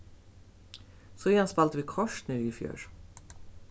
síðan spældu vit kort niðri í fjøru